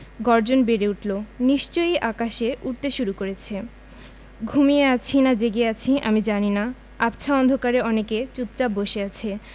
গর্জন বেড়ে উঠলো নিশ্চয়ই আকাশে উড়তে শুরু করছে ঘুমিয়ে আছি না জেগে আছি আমি জানি না আবছা অন্ধকারে অনেকে চুপচাপ বসে আছে